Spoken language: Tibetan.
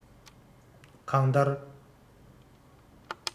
གང ལྟར